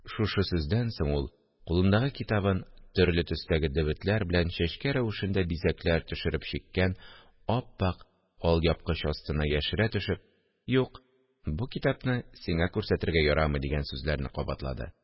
Шушы сүздән соң ул, кулындагы китабын төрле төстәге дебетләр белән чәчкә рәвешендә бизәкләр төшереп чиккән ап-ак алъяпкыч астына яшерә төшеп: – Юк, бу китапны сиңа күрсәтергә ярамый, – дигән сүзләрне кабатлады